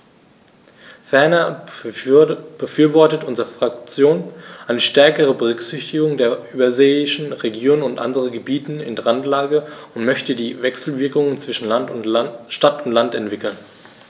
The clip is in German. Ferner befürwortet unsere Fraktion eine stärkere Berücksichtigung der überseeischen Regionen und anderen Gebieten in Randlage und möchte die Wechselwirkungen zwischen Stadt und Land entwickeln.